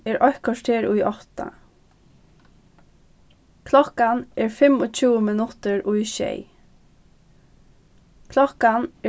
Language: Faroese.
er eitt korter í átta klokkan er fimmogtjúgu minuttir í sjey klokkan